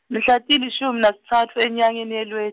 mhla tilishumi nakutsatfu enyangeni yaLwe-.